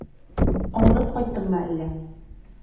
Авырып кайттыңмы әллә?